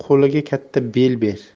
qo'liga katta bel ber